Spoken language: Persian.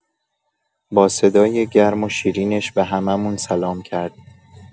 با صدای گرم و شیرینش به همه‌مون سلام کرد.